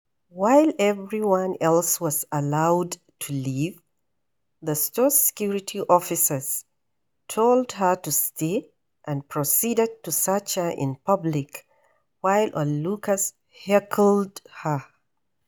While everyone else was allowed to leave, the store's security officers told her to stay and proceeded to search her in public while onlookers heckled her.